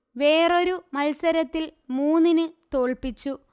വേറൊരു മല്സരത്തിൽ മൂന്നിൻതോല്പിച്ചു